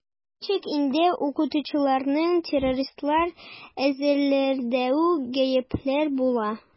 Ничек инде укытучыларны террористлар әзерләүдә гаепләп була?